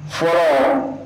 Sirajɛ